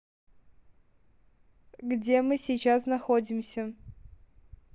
где мы сейчас находимся